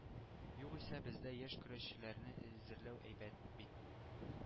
Югыйсә, бездә яшь көрәшчеләрне әзерләү әйбәт бит.